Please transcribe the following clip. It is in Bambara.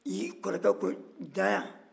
i kɔrɔkɛ ko dan yan